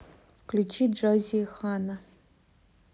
включи джоззи и ханна